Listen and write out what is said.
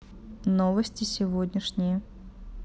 новости сегодняшние